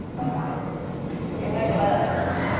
ơ mà chị đứng đây từ bao giờ đấy